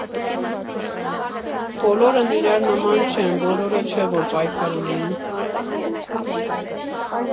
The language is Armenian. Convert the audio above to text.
Բոլորն իրար նման չեն, բոլորը չէ, որ պայքարում էին։